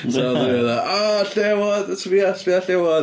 So oedden ni fatha, "o llewod! sbia sbia llewod".